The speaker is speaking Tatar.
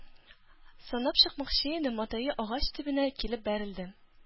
Санап чыкмакчы иде, матае агач төбенә килеп бәрелде.